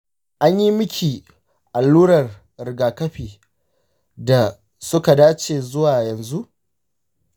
an yi miki duk alluran rigakafin da suka dace zuwa yanzu?